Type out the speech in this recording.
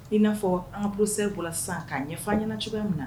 In na fɔ an ka professeur bɔra sisan ka ɲɛɔ an ɲɛna cogoya min na.